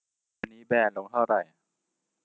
วันนี้แบรนด์ลงเท่าไหร่